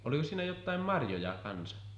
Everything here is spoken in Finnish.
oliko siinä jotakin marjoja kanssa